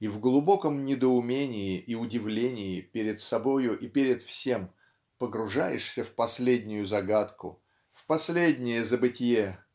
и в глубоком недоумении и удивлении перед собою и перед всем погружаешься в последнюю загадку в последнее забытье